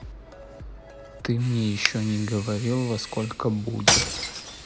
ты мне еще не говорил во сколько будет